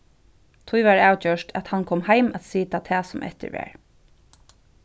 tí varð avgjørt at hann kom heim at sita tað sum eftir var